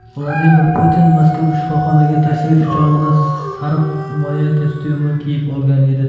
vladimir putin mazkur shifoxonaga tashrifi chog'ida sariq himoya kostyumi kiyib olgan edi